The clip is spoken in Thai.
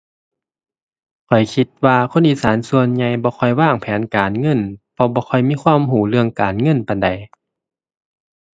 ข้อยคิดว่าคนอีสานส่วนใหญ่บ่ค่อยวางแผนการเงิน เพราะบ่ค่อยมีความรู้เรื่องการเงินปานใด